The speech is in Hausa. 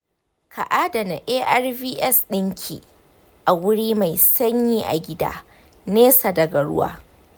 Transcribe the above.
ka adana arvs ɗinki a wuri mai sanyi a gida, nesa daga ruwa.